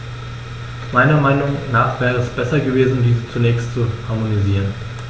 Meiner Meinung nach wäre es besser gewesen, diese zunächst zu harmonisieren.